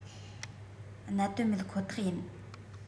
གནད དོན མེད ཁོ ཐག ཡིན